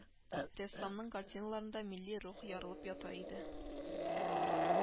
Рәссамның картиналарында милли рух ярылып ята иде